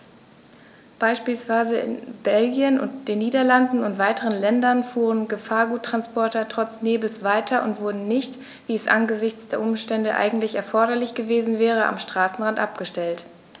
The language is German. Beispielsweise in Belgien, den Niederlanden und weiteren Ländern fuhren Gefahrguttransporter trotz Nebels weiter und wurden nicht, wie es angesichts der Umstände eigentlich erforderlich gewesen wäre, am Straßenrand abgestellt.